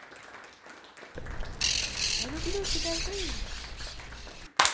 я люблю тебя жить